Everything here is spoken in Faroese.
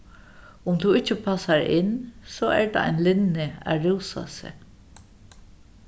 um tú ikki passar inn so er tað ein linni at rúsa seg